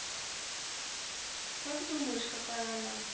как думаешь какая она